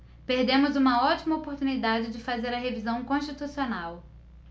perdemos uma ótima oportunidade de fazer a revisão constitucional